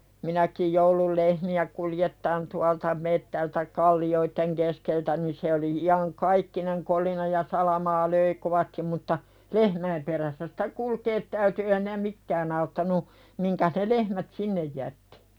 minäkin jouduin lehmiä kuljettamaan tuolta metsältä kallioiden keskeltä niin se oli iankaikkinen kolina ja salamaa löi kovasti mutta lehmäin perässä sitä kulkea täytyi ei siinä mikään auttanut mihinkäs ne lehmät sinne jättää